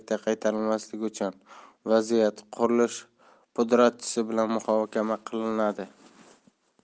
qaytarilmasligi uchun vaziyat qurilish pudratchisi bilan muhokama qilinadi